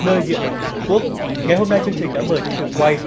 nơi địa đầu của tổ quốc ngày hôm nay chương trình đã mời tới trường quay